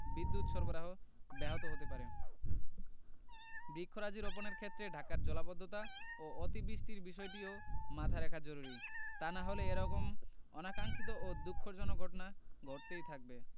বিদ্যুত সরবরাহ ব্যাহত হতে পারে বৃক্ষরাজি রোপণের ক্ষেত্রে ঢাকার জলাবদ্ধতা ও অতি বৃষ্টির বিষয়টিও মাথায় রাখা জরুরী তা না হলে এ রকম অনাকাংক্ষিত ও দুঃখজনক ঘটনা ঘটতেই থাকবে